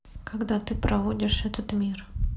когда ты проводишь этот мир